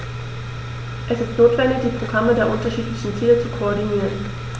Es ist notwendig, die Programme der unterschiedlichen Ziele zu koordinieren.